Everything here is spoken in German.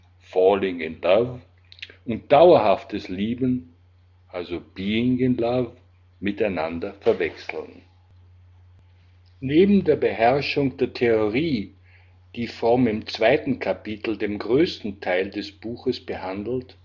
falling in love “) und dauerhaftes Lieben („ being in love “) miteinander verwechseln. Neben der Beherrschung der Theorie, die er im 2. Kapitel, dem größten Teil des Buches, behandelt